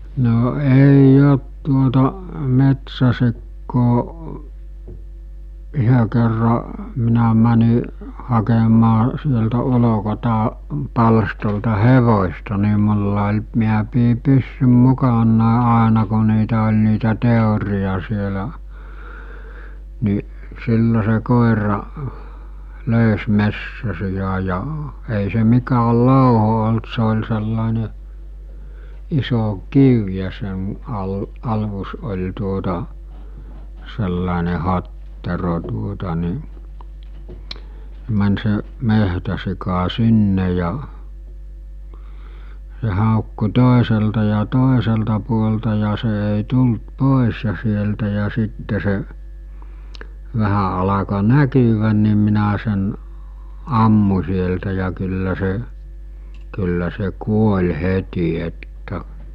no ei ole tuota metsäsikaa yhden kerran minä menin hakemaan sieltä - palstalta hevosta niin minulla oli minä pidin pyssyn mukanani aina kun niitä oli niitä teeriä siellä niin silloin se koira löysi metsäsian ja ei se mikään louho ollut se oli sellainen iso kivi ja sen - alus oli tuota sellainen hattero tuota niin se meni se metsäsika sinne ja se haukkui toiselta ja toiselta puolelta ja se ei tullut pois ja sieltä ja sitten se vähän alkoi näkyä niin minä sen ammuin sieltä ja kyllä se kyllä se kuoli heti että